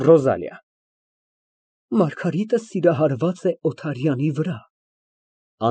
ՌՈԶԱԼԻԱ ֊ Մարգարիտը սիրահարված է Օթարյանի վրա։